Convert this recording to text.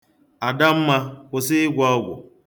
Adamma, kwụsị ịgwọ ọgwụ.